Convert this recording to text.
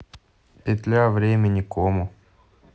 петля времени кому